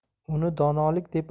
uni donolik deb